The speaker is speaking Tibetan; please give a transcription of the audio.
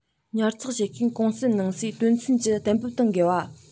ཉར ཚགས བྱེད མཁན གོང གསལ ནང གསེས དོན ཚན གྱི གཏན འབེབས དང འགལ བ